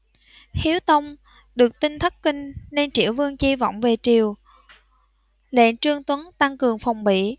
hiếu tông được tin thất kinh nên triệu vương chi vọng về triều lệnh trương tuấn tăng cường phòng bị